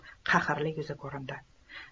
qahrli yuzi ko'rindi